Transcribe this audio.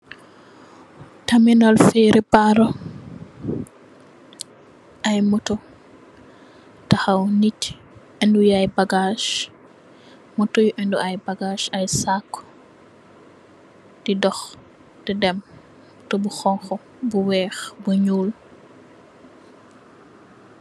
Terminal ferry Barra ay moto taxaw nit yi ènu ay bagaas, moto yi ènu ay bagaas ay sako di dox di dem moto bu xonxu bu ñuul.